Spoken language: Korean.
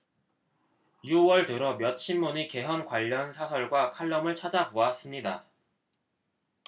유 월 들어 몇 신문의 개헌 관련 사설과 칼럼을 찾아 보았습니다